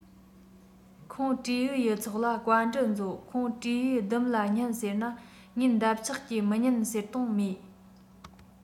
ཁོང སྤྲེའུའི ཚོགས ལ བཀའ འདྲི མཛོད ཁོང སྤྲེའུས སྡུམ ལ ཉན ཟེར ན ངེད འདབ ཆགས ཀྱིས མི ཉན ཟེར དོན མེད